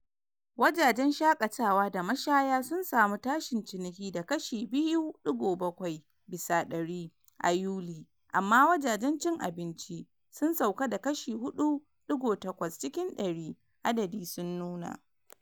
Wajajen shakatawa da mashaya sun samu tashin ciniki da kashi 2.7 bisa dari, a yuli amma wajajen cin abinci sun sauka da kashi 4.8 cikin dari, adadi sun nuna.